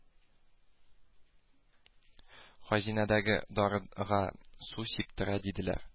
Хәзинәдәге дарыга су сиптерә диделәр